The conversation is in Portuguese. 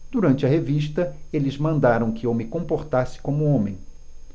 durante a revista eles mandaram que eu me comportasse como homem